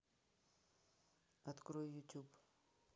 открой ютуб